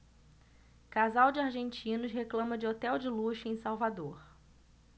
casal de argentinos reclama de hotel de luxo em salvador